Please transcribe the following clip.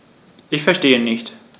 Ich verstehe nicht.